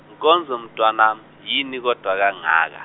Nkonzo mntanami yini kodwa kangaka?